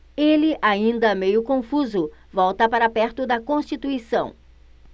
ele ainda meio confuso volta para perto de constituição